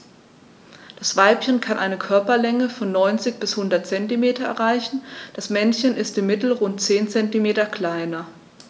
Das Weibchen kann eine Körperlänge von 90-100 cm erreichen; das Männchen ist im Mittel rund 10 cm kleiner.